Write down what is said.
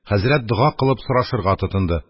Хәзрәт, дога кылып, сорашырга тотынды.